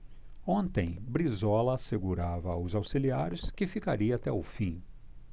ontem brizola assegurava aos auxiliares que ficaria até o fim